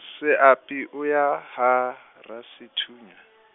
Seapi o ya, ha, Rasethunya.